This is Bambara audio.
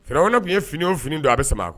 Sira tun ye finiw fini don a bɛ sama kɔnɔ